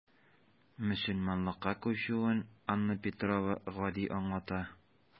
Мөселманлыкка күчүен Анна Петрова гади аңлата.